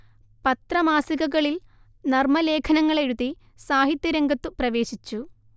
പത്രമാസികകളിൽ നർമലേഖനങ്ങളെഴുതി സാഹിത്യ രംഗത്തു പ്രവേശിച്ചു